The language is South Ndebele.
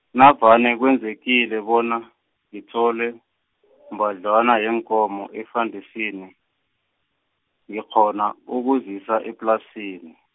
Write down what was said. navane kwenzekile bona, ngithole, mbadlwana yeenkomo efandesini, ngikghona ukuzisa eplasini.